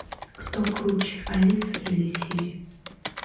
кто круче алиса или сири